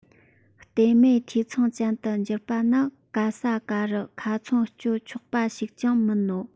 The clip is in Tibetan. བལྟོས མེད འཐུས ཚང ཅན དུ གྱུར པ ནི ག ས ག རུ ཁ ཚོན གཅོད ཆོག པ ཞིག ཀྱང མིན ནོ